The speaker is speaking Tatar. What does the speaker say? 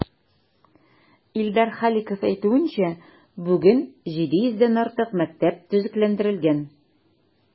Илдар Халиков әйтүенчә, бүген 700 дән артык мәктәп төзекләндерелгән.